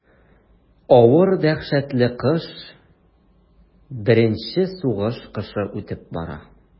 Авыр дәһшәтле кыш, беренче сугыш кышы үтеп бара.